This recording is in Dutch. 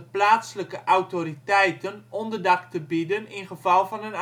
plaatselijke autoriteiten onderdak te bieden in geval van